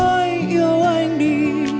nói yêu anh đi